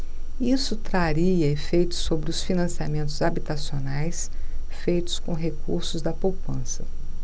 isso traria efeitos sobre os financiamentos habitacionais feitos com recursos da poupança